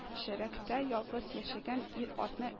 Шәрекътә ялгыз яшәгән ир-атны